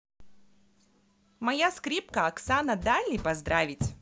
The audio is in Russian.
моя скрипка оксана дельный поздравить